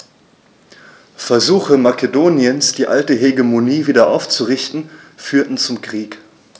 Versuche Makedoniens, die alte Hegemonie wieder aufzurichten, führten zum Krieg.